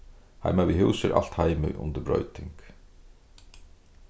heima við hús er alt heimið undir broyting